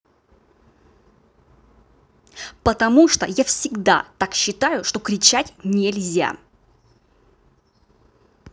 потому что я всегда так считаю что кричать нельзя